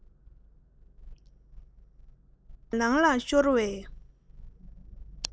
ཤོ སྦག ལང ལ ཤོར པའི